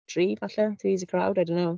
Tri falle? Three's a crowd, I don't know.